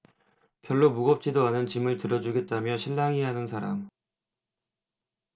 별로 무겁지도 않은 짐을 들어주겠다며 실랑이 하는 사람